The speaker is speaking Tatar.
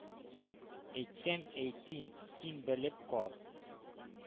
— әйтсәм әйтим, син белеп кал: